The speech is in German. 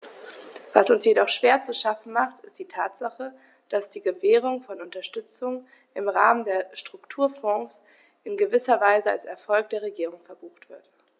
Was uns jedoch schwer zu schaffen macht, ist die Tatsache, dass die Gewährung von Unterstützung im Rahmen der Strukturfonds in gewisser Weise als Erfolg der Regierung verbucht wird.